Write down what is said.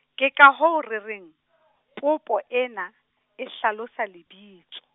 ke ka hoo re reng, popo ena, e hlalosa lebitso.